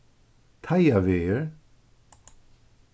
teigavegur